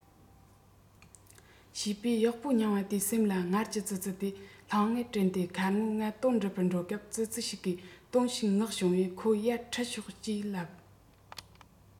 བྱས པས གཡོག པོ རྙིང པ དེའི སེམས ལ སྔར གྱི ཙི ཙི དེ ལྷང ངེར དྲན ཏེ ཁ སྔོན ང དོན སྒྲུབ པར འགྲོ སྐབས ཙི ཙི ཞིག གིས དོན ཞིག མངགས བྱུང བས ཁོ ཡར ཁྲིད ཤོག ཅེས ལབ